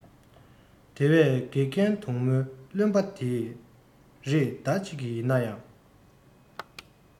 དེ བས དགེ རྒན དུང མོའི བརྩོན པ དེ རེས ཟླ གཅིག ཡིན ནའང